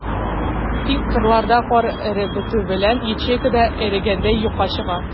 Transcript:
Тик кырларда кар эреп бетү белән, ячейка да эрегәндәй юкка чыга.